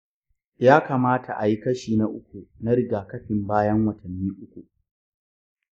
ya kamata a yi kashi na uku na rigakafin bayan watanni uku.